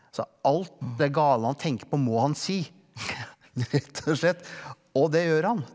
så alt det gale han tenker på må han si rett og slett og det gjør han.